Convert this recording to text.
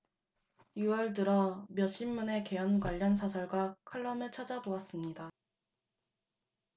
유 월 들어 몇 신문의 개헌 관련 사설과 칼럼을 찾아 보았습니다